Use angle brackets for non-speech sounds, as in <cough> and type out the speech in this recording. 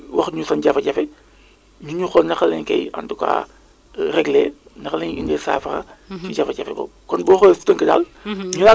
bi mu amee aussi <noise> peut être que ñun pause boobu am na ñi nga xamante ne bi inconvenient la mais yaakaar naa ni pour région de Fatick ñu bëri avantage la woon